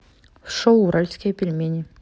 шоу уральские пельмени